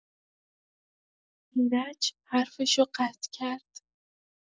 ایرج حرفشو قطع کرد.